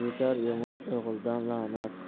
yetar yomon o'g'ildan la'nat